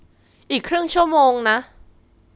อีกครึ่งชั่วโมงนะ